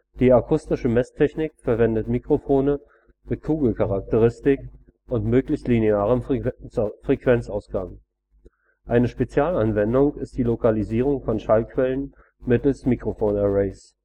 Die akustische Messtechnik verwendet Mikrofone mit Kugelcharakteristik und möglichst linearem Frequenzgang. Eine Spezialanwendung ist die Lokalisierung von Schallquellen mittels Mikrofonarrays